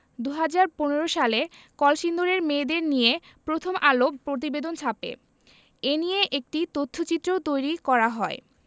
২০১৫ সালে কলসিন্দুরের মেয়েদের নিয়ে প্রথম আলো প্রতিবেদন ছাপে এ নিয়ে একটি তথ্যচিত্রও তৈরি করা হয়